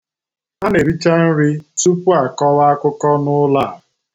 A na-ericha nri tupu a kọwa akụkọ n'ụlọ a.